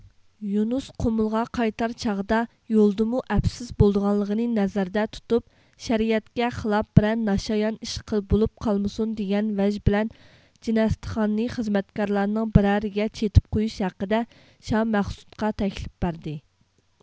يۇنۇس قۇمۇلغا قايتار چاغدا يولدىمۇ ئەپسىز بولىدىغانلىقىنى نەزەردە تۇتۇپ شەرىئەتكە خىلاپ بىرەر ناشايان ئىش بولۇپ قالمىسۇن دېگەن ۋەج بىلەن جىنەستىخاننى خىزمەتكارلارنىڭ بىرەرىگە چېتىپ قويۇش ھەققىدە شامەخسۇتقا تەكلىپ بەردى